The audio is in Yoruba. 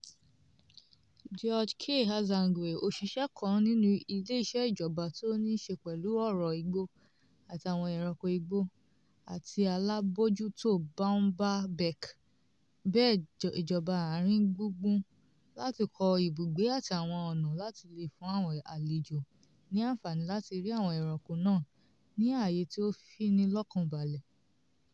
George K. Azangue, òṣìṣẹ́ kan nínú ilé iṣẹ́ ìjọba tí ó ní ṣe pẹ̀lú ọ̀rọ̀ igbó àti àwọn ẹranko igbó àti alábòójútó Boumba Bek bẹ ìjọba àárín gbùngbùn láti 'kọ́ ibùgbé àti àwọn ọ̀nà láti lè fún àwọn àlejò ní àǹfààní láti rí àwọn ẹranko náà ní ààyè tí ó fini lọ́kàn balẹ̀. "